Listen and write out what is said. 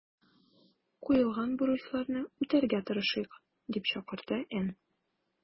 Куелган бурычларны үтәргә тырышыйк”, - дип чакырды Н.